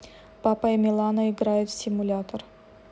папа и милана играют в симулятор